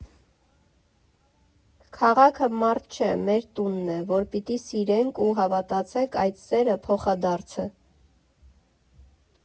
Քաղաքը մարդ չէ՝ մեր տունն է, որ պիտի սիրենք, ու հավատացեք, այդ սերը փոխադարձ է։